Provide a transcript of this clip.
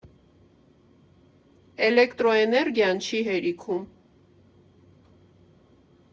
Էլեկտրոէներգիան չի հերիքում։